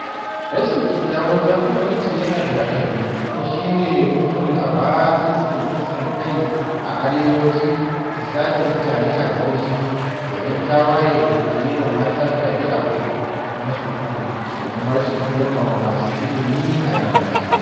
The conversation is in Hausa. Rashin Kyakkyawan Jagoranci yana da haɗari kuma shi ne ummul-aba'isin kisan kai a arewaci da sace mutane a gabashi da ‘yan tawaye da ke yi wa mata fyaɗe a Kudu maso Kudu da kuma rashin girmama masu ilimi a yammaci.